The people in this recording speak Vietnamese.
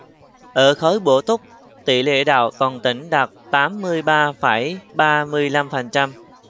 ở khối bổ túc tỉ lệ đậu toàn tỉnh đạt tám mươi ba phẩy ba mươi lăm phần trăm